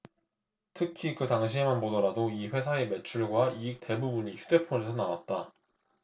특히 그 당시에만 보더라도 이 회사의 매출과 이익 대부분이 휴대폰에서 나왔다